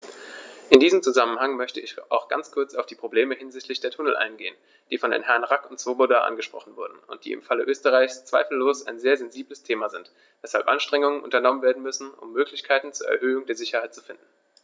In diesem Zusammenhang möchte ich auch ganz kurz auf die Probleme hinsichtlich der Tunnel eingehen, die von den Herren Rack und Swoboda angesprochen wurden und die im Falle Österreichs zweifellos ein sehr sensibles Thema sind, weshalb Anstrengungen unternommen werden müssen, um Möglichkeiten zur Erhöhung der Sicherheit zu finden.